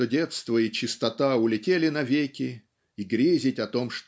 что детство и чистота улетели навеки и грезить о том